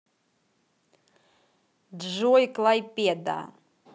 джой клайпеда